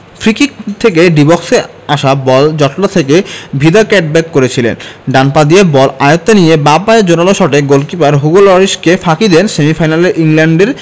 free kick থেকে D বক্সে আসা বল জটলা থেকে ভিদা কাটব্যাক করেছিলেন ডান পা দিয়ে বল আয়ত্তে নিয়ে বাঁ পায়ের জোরালো শটে গোলকিপার হুগো লরিসকে ফাঁকি দেন সেমিফাইনালে ইংল্যান্ডের